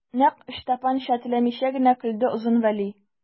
Нәкъ Ычтапанча теләмичә генә көлде Озын Вәли.